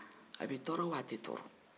a b'i tɔɔrɔ wa a t'i tɔɔrɔ